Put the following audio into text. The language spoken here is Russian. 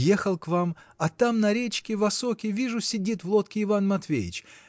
Ехал к вам, а там на речке, в осоке, вижу, сидит в лодке Иван Матвеич.